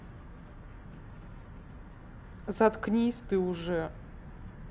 заткнись ты уже